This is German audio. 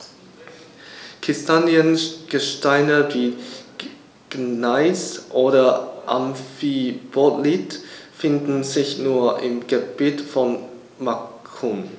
Kristalline Gesteine wie Gneis oder Amphibolit finden sich nur im Gebiet von Macun.